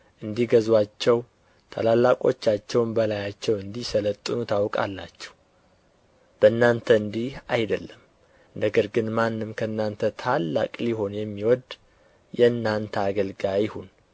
እንዲገዙአቸው ታላላቆቻቸውም በላያቸው እንዲሠለጥኑ ታውቃላችሁ በእናንተስ እንዲህ አይደለም ነገር ግን ማንም ከእናንተ ታላቅ ሊሆን የሚወድ የእናንተ አገልጋይ ይሁን